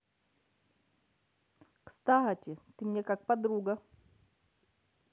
кстати ты мне как подруга